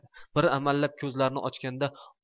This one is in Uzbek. bir amallab ko'zlarini ochganda